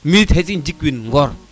mi it xati jik win ŋor